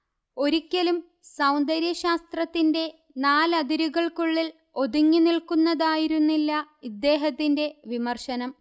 ഒരിക്കലും സൗന്ദര്യശാസ്ത്രത്തിന്റെ നാലതിരുകൾക്കുള്ളിൽ ഒതുങ്ങിനിൽക്കുന്നതായിരുന്നില്ല ഇദ്ദേഹത്തിന്റെ വിമർശനം